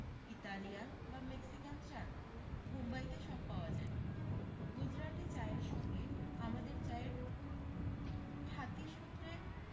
Italian বা Mexican চান মুম্বাইতে সব পাওয়া যায় গুজরাটি চায়ের সঙ্গে আমাদের চায়ের ঠাতিসূত্রে